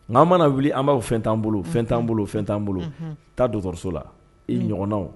Nka an mana wuli an b'aw fɛn t' bolo fɛn t'an bolo o fɛn t'an bolo ta dɔgɔtɔrɔso la i ɲɔgɔnnaw